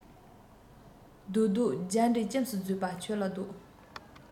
བཟློག བཟློག རྒྱ འདྲེ སྐྱེམས སུ བརྫུས པ ཁྱོད ལ བཟློག